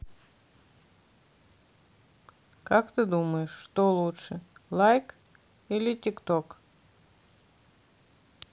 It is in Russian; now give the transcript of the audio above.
как ты думаешь что лучше like или tik tok